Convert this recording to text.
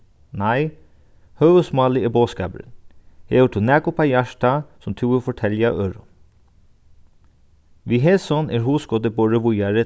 nei høvuðsmálið er boðskapurin hevur tú nakað uppá hjartað sum tú vilt fortelja øðrum við hesum er hugskotið borið víðari